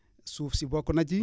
suuf si bokk na ci